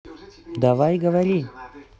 давай говори